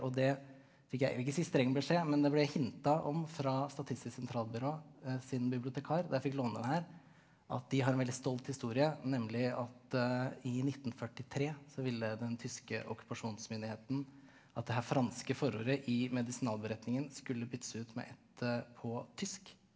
og det fikk jeg vil ikke si streng beskjed men det ble hinta om fra Statistisk sentralbyrå sin bibliotekar da jeg fikk låne den her at de har en veldig stolt historie nemlig at i 1943 så ville den tyske okkupasjonsmyndigheten at det her franske forordet i medisinalberetningen skulle byttes ut med et på tysk.